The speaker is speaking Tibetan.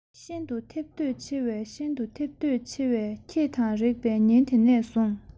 ཤིན ཏུ ཐོབ འདོད ཆེ བས ཤིན ཏུ ཐོབ འདོད ཆེ བས ཁྱེད དང རེག པའི ཉིན དེ ནས བཟུང